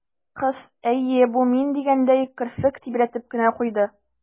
Кыз, «әйе, бу мин» дигәндәй, керфек тибрәтеп кенә куйды.